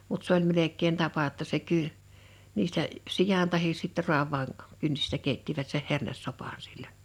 mutta se oli melkein tapa jotta se - niistä sian tai sitten raavaan kynsistä keittivät sen hernesopan silloin